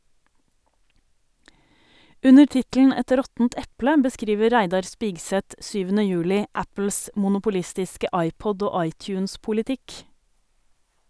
Under tittelen "Et råttent eple" beskriver Reidar Spigseth 7. juli Apples monopolistiske iPod- og iTunes-politikk.